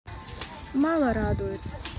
мало радует